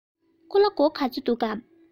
ཁོ ལ སྒོར ག ཚོད འདུག གམ